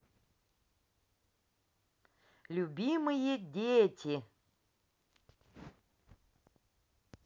любимые дети